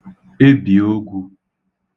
ebìogwū